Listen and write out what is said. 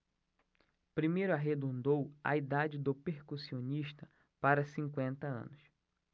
primeiro arredondou a idade do percussionista para cinquenta anos